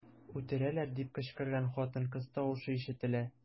"үтерәләр” дип кычкырган хатын-кыз тавышы ишетелә.